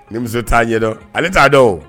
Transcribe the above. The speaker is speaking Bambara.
Ni muso t'a ɲɛdɔn ale t'a dɔn